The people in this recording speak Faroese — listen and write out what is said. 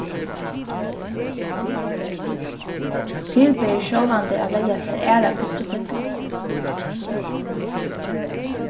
til ber sjálvandi at velja sær aðra pitsufyllu